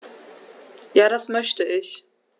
Ja, das möchte ich.